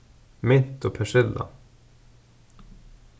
mint og persilla